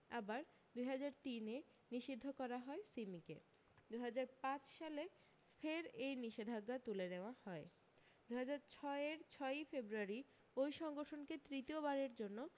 আবার দু হাজার তিন এ নিষিদ্ধ করা হয় সিমিকে দু হাজার পাঁচ সালে ফের এই নিষেধাজ্ঞা তুলে নেওয়া হয় দু হাজার ছয় এর ছয় ই ফেব্রুয়ারি ওই সংগঠনকে তৃতীয়বারের জন্য